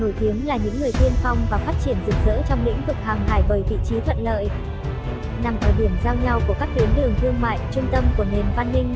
họ nổi tiếng là những người tiên phong và phát triển rực rỡ trong lĩnh vực hàng hải bởi vị trí thuận lợi nằm ở điểm giao nhau của các tuyến đường thương mại trung tâm của nền văn minh minoan